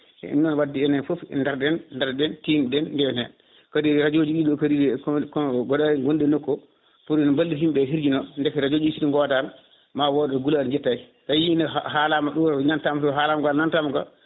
ɗum noon wadde enen foof daroɗen daroɗen * kadi radio ji ɗi kono ko gonɗi e nokku o pour ballitinde * deke radio ji ɗi so godano ma woda gulaɗo jettaki ayi ne haalama ɗo nantama to haalama ga nantama nga